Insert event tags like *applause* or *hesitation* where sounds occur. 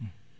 *hesitation* *hesitation*